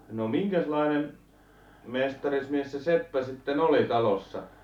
no minkäslainen mestarismies se seppä sitten oli talossa